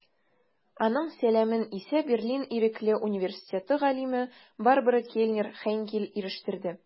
Аның сәламен исә Берлин Ирекле университеты галиме Барбара Кельнер-Хейнкель ирештерде.